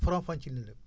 faram fàcce na lépp